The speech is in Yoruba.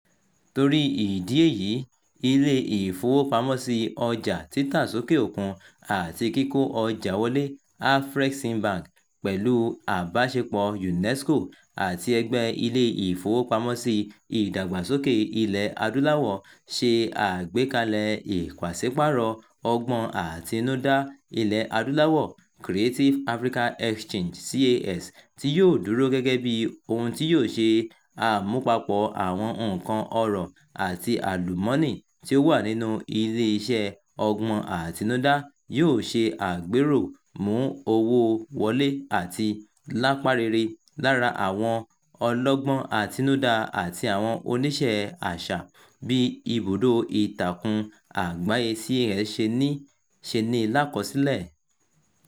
Torí ìdí èyí, Ilé-ìfowópamọ́sí Ọjà títa sókè òkun-àti-kíkó ọjà wọlé (Afreximbank) pẹ̀lú àbáṣepọ̀ọ UNESCO àti Ẹgbẹ́ Ilé-ìfowópamọ́sí Ìdàgbàsókè Ilẹ̀-Adúláwọ̀, ṣe àgbékalẹ̀ Ìpàṣípààrọ̀ Ọgbọ́n Àtinudá Ilẹ̀-Adúláwọ̀ – Creative Africa Exchange (CAX) tí yóò "dúró gẹ́gẹ́ bíi ohun tí yóò ṣe àmúpapọ̀ àwọn nǹkan ọrọ̀ àti àlùmọ́nì tí ó wà nínú iléeṣẹ́ ọgbọ́n àtinudá" tí yóò ṣe àgbéró, mú owó wọlé àti lapa rere lára àwọn ọlọ́gbọ́n àtinudá àti àwọn oníṣẹ́ àṣà, bí ibùdó ìtakùn àgbáyé CAX ṣe ní i lákọsílẹ̀.